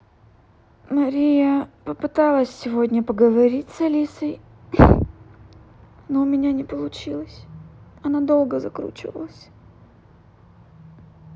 мария попыталась сегодня поговорить с алисой но у меня не получилось она долго закручивалась